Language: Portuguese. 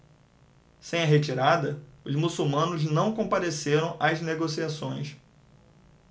sem a retirada os muçulmanos não compareceram às negociações